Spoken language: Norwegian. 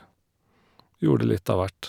Gjorde litt av hvert.